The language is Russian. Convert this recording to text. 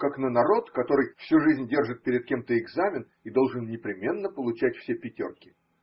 как на народ, который всю жизнь держит перед кем-то экзамен и должен непременно получать все пятерки.